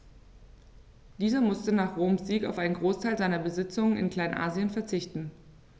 Dieser musste nach Roms Sieg auf einen Großteil seiner Besitzungen in Kleinasien verzichten.